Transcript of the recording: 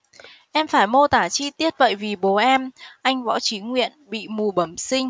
em phải mô tả chi tiết vậy vì bố em anh võ chí nguyện bị mù bẩm sinh